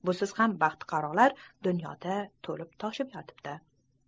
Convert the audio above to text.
busiz ham baxti qarolar dunyoda to'lib yotibdi